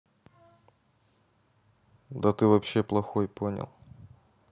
да ты вообще плохой понял